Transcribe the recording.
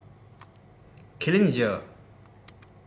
ཁས ལེན བཞི